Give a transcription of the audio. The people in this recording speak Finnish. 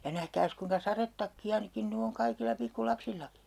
ja nähkääs kuinka sadetakkia niin - nyt on kaikilla pikkulapsillakin